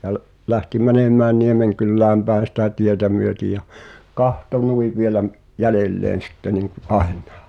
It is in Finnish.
ja - lähti menemään Niemenkylään päin sitä tietä myöten ja katsoi noin vielä - jäljelleen sitten niin kuin aina